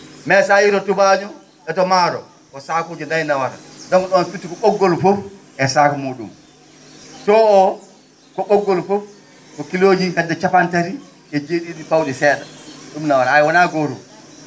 mais so a yehii to tubaañoo e to maaro ko saakuuji nayi nawata donc ?on firti ko ?oggol fof e sac muu?um to ko ?oggol fof ko kilooji hedde capantati e jee?i?i paw?i see?a ?um nawata a yiyii wonaa gootum